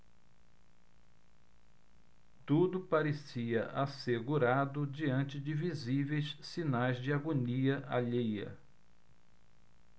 tudo parecia assegurado diante de visíveis sinais de agonia alheia